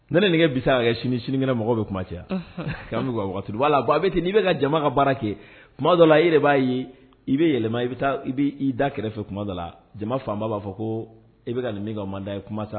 Ne ne nige bisa ka kɛ sini sinikɛnɛ mɔgɔ bɛ kuma caya waati'a la a bɛ ten n'i bɛ bɛka ka jama ka baara kɛ kuma dɔ la e de b'a ye i bɛ yɛlɛma i bɛ taa i'i da kɛrɛfɛ kuma dɔ la jama faama b'a fɔ ko i bɛ ka ninmi ka da ye kuma ta